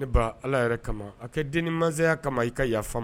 Ne ba ala yɛrɛ kama a kɛ den ni masaya kama i ka yafa ma